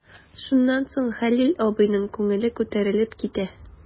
Шуннан соң Хәлил абыйның күңеле күтәрелеп китә.